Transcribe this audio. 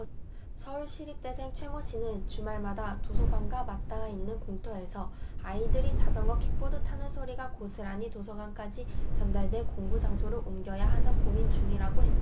서울시립대생 최모씨는 주말마다 도서관과 맞닿아 있는 공터에서 아이들이 자전거 킥보드 타는 소리가 고스란히 도서관까지 전달돼 공부장소를 옮겨야 하나 고민 중이라고 했다